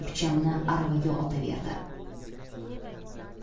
pichanni aravaga otaverdi